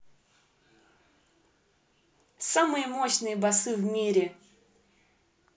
самые мощные басы в мире